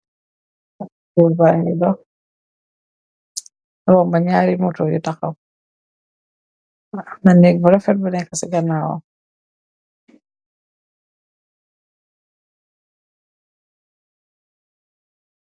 Nyari moto yu tahaw, Amna nek bu refet bu neka sy ganawam